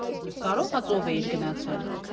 Կարո՞ղ ա ծով էիր գնացել։